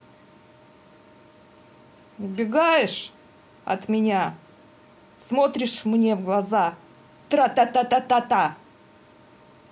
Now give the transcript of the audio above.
убегаешь от меня смотришь мне в глаза тратататата